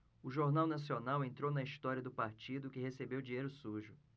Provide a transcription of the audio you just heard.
o jornal nacional entrou na história do partido que recebeu dinheiro sujo